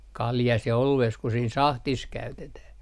kaljassa ja oluessa kuin siinä sahdissa käytetään